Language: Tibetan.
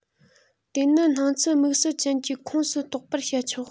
དེ ནི སྣང ཚུལ དམིགས བསལ ཅན གྱི ཁོངས སུ གཏོགས པར བཤད ཆོག